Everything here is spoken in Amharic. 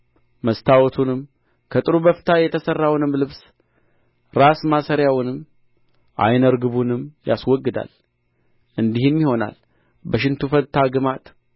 መስተዋቱንም ከጥሩ በፍታ የተሰራውንም ልብስ ራስ ማሰሪያውንም ዓይነ ርግቡንም ያስወግዳል እንዲህም ይሆናል በሽቱ ፋንታ ግማት